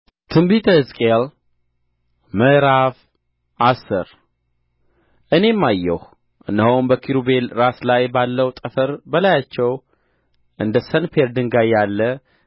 ትንቢተ ሕዝቅኤል ምዕራፍ አስር እኔም አየሁ እነሆም በኪሩቤል ራስ ላይ ባለው ጠፈር በላያቸው እንደ ሰንፔር ድንጋይ ያለ